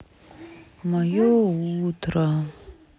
мое утро